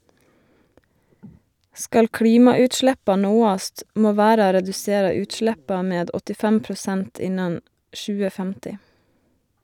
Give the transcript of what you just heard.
Skal klimautsleppa nåast, må verda redusera utsleppa med 85 prosent innan 2050.